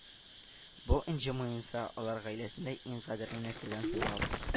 Бу энҗе муенса алар гаиләсендә иң кадерле нәрсәдән санала